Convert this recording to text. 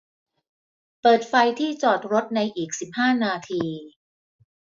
เปิดไฟที่จอดรถในอีกสิบห้านาที